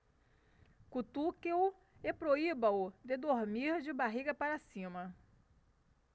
cutuque-o e proíba-o de dormir de barriga para cima